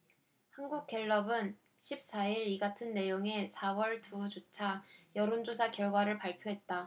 한국갤럽은 십 사 일 이같은 내용의 사 월 두 주차 여론조사 결과를 발표했다